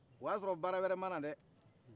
o ya sɔrɔ wɛrɛ mana dɛ